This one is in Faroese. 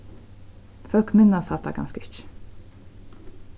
fólk minnast hatta kanska ikki